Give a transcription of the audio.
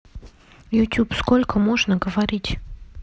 youtube сколько можно говорить